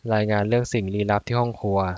รายงานเรื่องสิ่งลี้ลับที่ห้องครัว